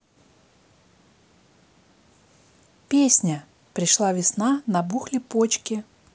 песня пришла весна набухли почки